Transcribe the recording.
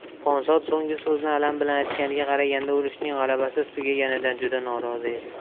ponsod so'nggi so'zni alam bilan aytganiga qaraganda urushning g'alabasiz tugaganidan juda norozi edi